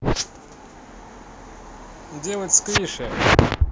делать сквиши